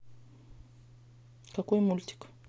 какой мультик